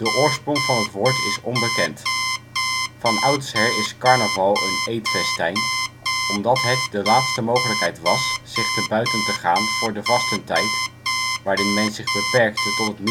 oorsprong van het woord is onbekend. Van oudsher is carnaval een eetfestijn, omdat het de laatste mogelijkheid was zich te buiten te gaan voor de vastentijd, waarin men zich beperkte tot